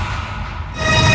và